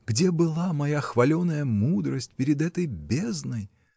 Где была моя хваленая “мудрость” перед этой бездной!.